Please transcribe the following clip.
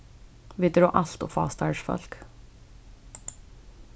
vit eru alt ov fá starvsfólk